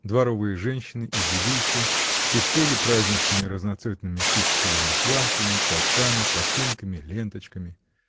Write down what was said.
Дворовые женщины и девицы пестрели праздничными, разноцветными ситцевыми платьями, платками, косынками, ленточками.